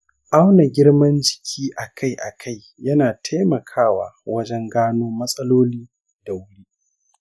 auna girman jiki akai-akai yana taimakawa wajen gano matsaloli da wuri